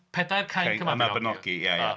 Pedair Cainc Y Mabinogi... Ia, ia.